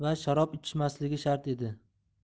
va sharob ichmasligi shart edi